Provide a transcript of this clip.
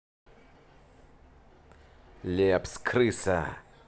лепс крыса